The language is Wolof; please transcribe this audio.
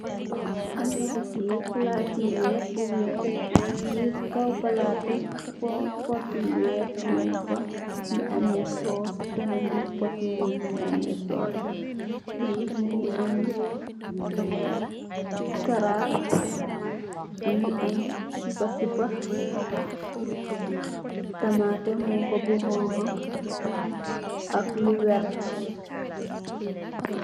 amna ku take plati wear bu wex ci kawe platbi mugi am poot bu wex mungfa mugi ame sose benen poot bi mugi am karab am sipa sipa am tamate bu honha mu am lu green